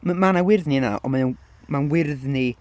m- ma' 'na wyrddni yna, ond mae o- mae'n wyrddni...